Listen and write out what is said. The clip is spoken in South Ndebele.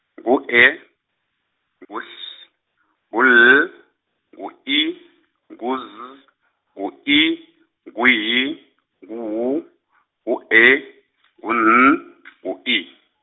ngu E, ngu S, ngu L, ngu I, ngu Z, ngu I, ngu Y, ngu W, ngu E, ngu N, ngu I.